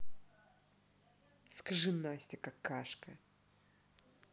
скажи настя какашка